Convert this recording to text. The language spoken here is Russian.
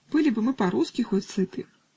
Были бы мы по-русски хоть сыты".